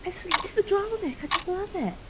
It's- It's the drama Mick. I just love it!